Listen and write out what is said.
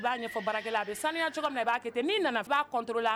I b'a ɲɛfɔ baarakɛla ye a bɛ saniya cogo minna, ib'a kɛnten n'i nana i b'a contrôler _a nɔfɛ.